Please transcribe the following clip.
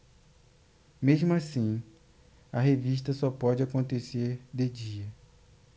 mesmo assim a revista só pode acontecer de dia